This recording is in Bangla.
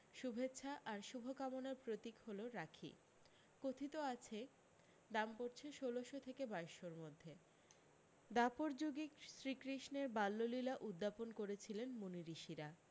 শুভেচ্ছা আর শুভকামনার প্রতীক হল রাখি কথিত আছে দাম পড়ছে ষোলশ থেকে বাইশশোর মধ্যে দ্বাপর যুগে শ্রীকৃষ্ণের বাল্যলীলা উদ্যাপন করেছিলেন মুনিঋষিরা